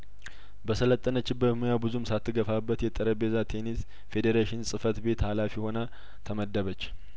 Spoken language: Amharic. በሰለጠነችበት ሙያ ብዙም ሳትገፋበት የጠረጴዛ ቴኒስ ፌዴሬሽን ጽፈት ቤት ሀላፊ ሆና ተመደበች